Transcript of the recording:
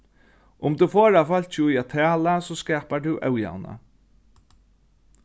um tú forðar fólki í at tala so skapar tú ójavna